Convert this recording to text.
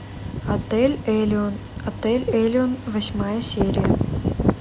отель элион отель элион восьмая серия